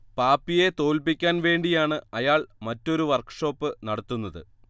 പാപ്പിയെ തോൽപ്പിക്കാൻ വേണ്ടിയാണ് അയാൾ മറ്റൊരു വർക്ക്ഷോപ്പ് നടത്തുന്നത്